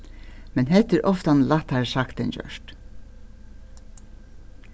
men hetta er oftani lættari sagt enn gjørt